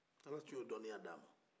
ala tun y'o dɔnniya d'ama